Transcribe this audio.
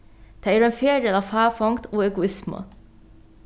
tað er ein feril av fáfongd og egoismu